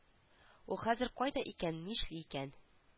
Ул хәзер кайда икән нишли икән